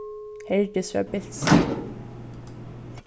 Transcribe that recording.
herdis var bilsin